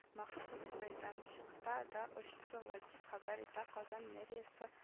Махсус мәйданчыкта да оештырыла, дип хәбәр итә казан мэриясе